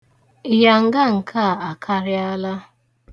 Ịnyanga nke a akarịala.